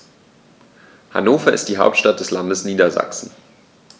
Hannover ist die Hauptstadt des Landes Niedersachsen.